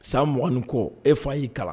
San 20 ni kɔ , e fa yi kalan.